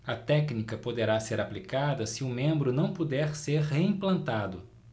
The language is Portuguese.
a técnica poderá ser aplicada se o membro não puder ser reimplantado